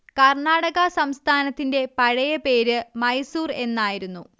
കർണാടക സംസ്ഥാനത്തിന്റെ പഴയ പേര് മൈസൂർ എന്നായിരുന്നു